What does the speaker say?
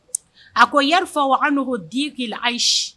A ko ya wa an n nɔgɔ di k' ayise